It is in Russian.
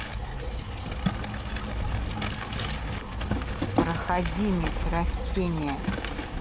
проходимец растения